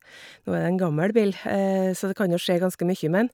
Nå er det en gammel bil, så det kan jo skje ganske mye med den.